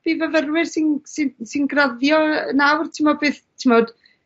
i fyfyrwyr sy'n sy'n sy'n graddio yy nawr t'mod beth t'mod